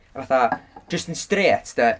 A fatha, jyst yn straight 'de?